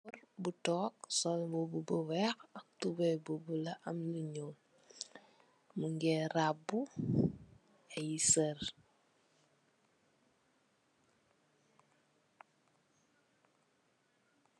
Gór bu tóóg sol mbubu bu wèèx ak tubay bu bula am lu ñuul. Mugeh rabbu ay sëër.